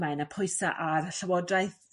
mae yna pwysa' ar Llywodraeth